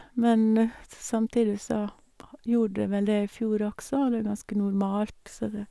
Men s samtidig så gjorde det vel det i fjor også, og det er ganske normalt, så det...